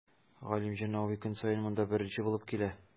Галимҗан абый көн саен монда беренче булып килә.